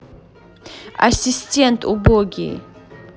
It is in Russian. ассистент убогий